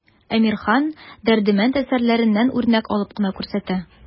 Әмирхан, Дәрдемәнд әсәрләреннән үрнәк алып кына күрсәтә.